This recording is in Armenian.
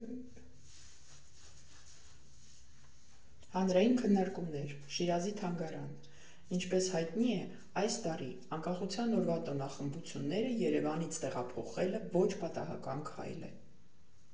ՀԱՆՐԱՅԻՆ ՔՆՆԱՐԿՈՒՄՆԵՐ Շիրազի թանգարան Ինչպես հայտնի է, այս տարի՝ Անկախության օրվա տոնախմբությունները Երևանից տեղափոխելը ոչ պատահական քայլ է.